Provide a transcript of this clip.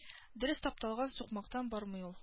Дөрес тапталган сукмактан бармый ул